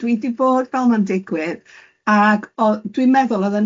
Dwi di bod fel mae'n digwydd, ag o- dwi'n meddwl oedden